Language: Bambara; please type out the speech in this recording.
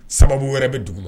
Sababu wɛrɛ bɛ dugu ma